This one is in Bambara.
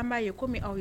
An b'a ye comme aw ye